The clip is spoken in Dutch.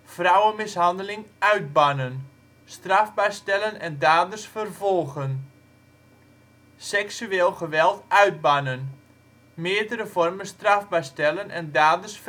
vrouwenmishandeling uitbannen - strafbaar stellen en daders vervolgen seksueel geweld uitbannen - meerdere vormen strafbaar stellen en daders